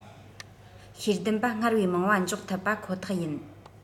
ཤེས ལྡན པ སྔར བས མང བ འཇོག ཐུབ པ ཁོ ཐག ཡིན